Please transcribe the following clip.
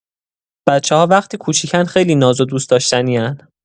بچه‌ها وقتی کوچیکن خیلی ناز و دوست‌داشتنی‌ان.